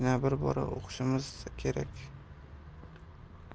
yana bir bora o'qishimiz kerak